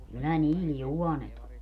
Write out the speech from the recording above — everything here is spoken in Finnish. kyllä niillä juonet on